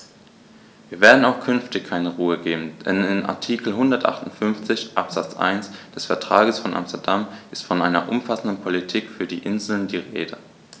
Wir werden auch künftig keine Ruhe geben, denn in Artikel 158 Absatz 1 des Vertrages von Amsterdam ist von einer umfassenden Politik für die Inseln die Rede.